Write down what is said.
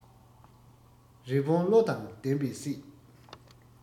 རི བོང བློ དང ལྡན པས བསད